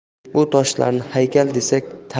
bu toshlarni haykal desak